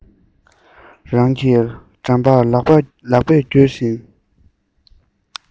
རང གི འགྲམ པ ལག པས སྐྱོར བཞིན